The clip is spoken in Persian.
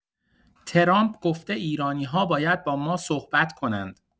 ترامپ گفته ایرانی‌‌ها باید با ما صحبت کنند.